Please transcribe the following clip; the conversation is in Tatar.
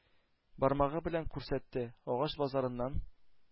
Бармагы белән күрсәтте,- агач базарыннан